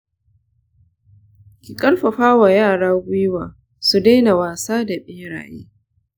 ki karfafa wa yara gwuiwa su daina wasa da beraye.